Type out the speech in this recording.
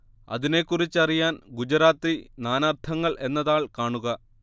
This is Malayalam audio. അതിനെക്കുറിച്ചറിയാൻ ഗുജറാത്തി നാനാർത്ഥങ്ങൾ എന്ന താൾ കാണുക